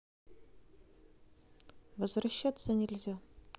возвращаться нельзя